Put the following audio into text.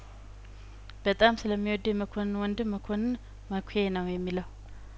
በጣም ስለሚ ወደው የመኮንን ወንድም መኮንንን መኳ ነው የሚለው